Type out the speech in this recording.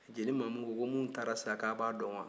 jeli mamu ko ko min taara sisan a b'a dɔn wa